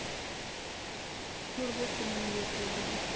барбоскины на ютюбе